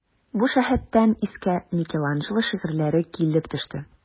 Бу җәһәттән искә Микеланджело шигырьләре килеп төште.